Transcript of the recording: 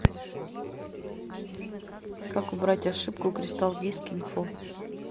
как убрать ошибку кристал диск инфо